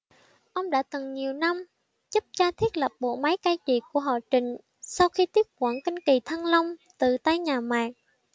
ông đã từng nhiều năm giúp cha thiết lập bộ máy cai trị của họ trịnh sau khi tiếp quản kinh kỳ thăng long từ tay nhà mạc